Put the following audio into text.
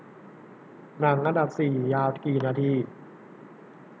หนังอันดับสี่ยาวกี่นาที